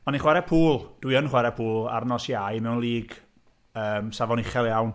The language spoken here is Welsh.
O'n i'n chwarae pŵl... dwi yn chwarae pŵl ar nos Iau mewn league safon uchel iawn.